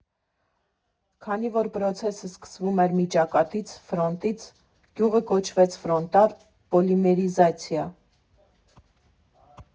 Իսկ քանի որ պրոցեսը սկսվում էր մի ճակատից՝ ֆրոնտից, գյուտը կոչվեց «ֆրոնտալ պոլիմերիզացիա»։